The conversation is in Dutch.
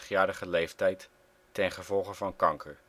63-jarige leeftijd ten gevolge van kanker